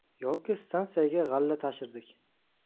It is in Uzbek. yoki stansiyaga g'alla tashirdik